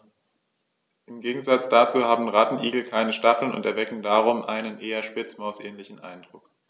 Im Gegensatz dazu haben Rattenigel keine Stacheln und erwecken darum einen eher Spitzmaus-ähnlichen Eindruck.